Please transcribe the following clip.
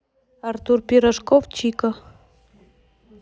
артур пирожков чика